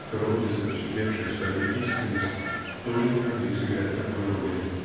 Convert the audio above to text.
кровью запечатлевшие свою искренность тоже не могли сыграть такой роли